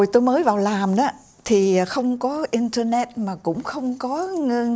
hồi tôi mới vào làm đó thì không có in tơ nét mà cũng không có